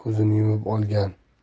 ko'zini yumib olgan